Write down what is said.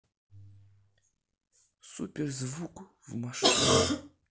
супер звук в машину